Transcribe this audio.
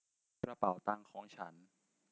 กระเป๋าตังของฉัน